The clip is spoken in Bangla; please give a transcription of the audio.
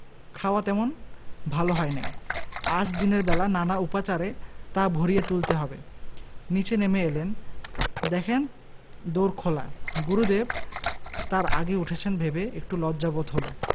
খাওয়া তেমন ভাল হয় নাই আজ দিনের বেলা নানা উপচারে তা ভরিয়ে তুলতে হবে নীচে নেমে এলেন দেখেন দোর খোলা গুরুদেব তাঁর আগে উঠেছেন ভেবে একটু লজ্জা বোধ হলো